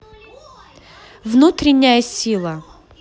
внутренняя сила